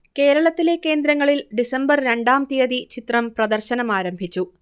കേരളത്തിലെ കേന്ദ്രങ്ങളിൽ ഡിസംബർ രണ്ടാം തീയതി ചിത്രം പ്രദർശനമാരംഭിച്ചു